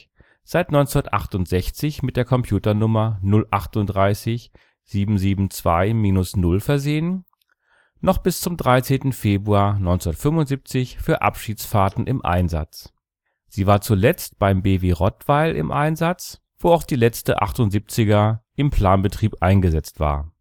seit 1968 mit der Computernummer 038 772-0 versehen) noch bis zum 13. Februar 1975 für Abschiedsfahrten im Einsatz. Sie war zuletzt beim BW Rottweil im Einsatz, wo auch die letzte 78er im Planbetrieb eingesetzt war